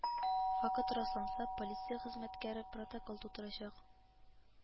Факт расланса, полиция хезмәткәре протокол тутырачак